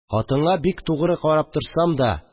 Хатынга бик тугры карап торсам да